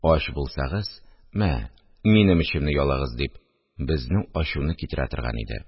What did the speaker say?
«ач булсагыз, мә, минем эчемне ялагыз», – дип, безнең ачуны китерә торган иде